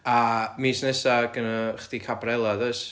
a mis nesa gynna chdi cabarella does